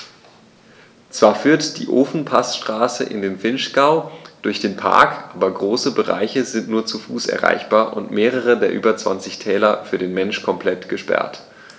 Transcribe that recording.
Zwar führt die Ofenpassstraße in den Vinschgau durch den Park, aber große Bereiche sind nur zu Fuß erreichbar und mehrere der über 20 Täler für den Menschen komplett gesperrt.